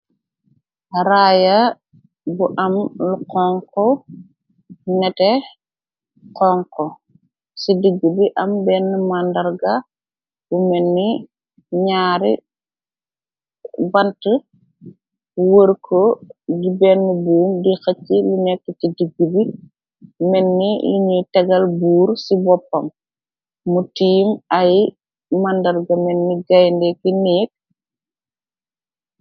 Raaya bu am lu konxu, nétté konxu si diggë bi am benen màndarga bu melni ñaari bantë wër ko ci benn buum di xëcci. li nekk ci diggë bi melni liñuy teggal buur si boopam, mu tiim ay màndarga, melni gainde ki neeg.